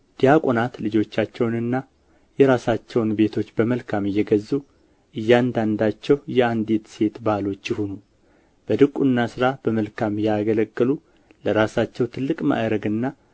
ዲያቆናት ልጆቻቸውንና የራሳቸውን ቤቶች በመልካም እየገዙ እያንዳንዳቸው የአንዲት ሴት ባሎች ይሁኑ በዲቁና ሥራ በመልካም ያገለገሉ ለራሳቸው ትልቅ ማዕርግና